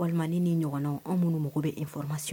Walimamani ni ɲɔgɔnna anw minnu mago bɛ in fɔrɔmasiw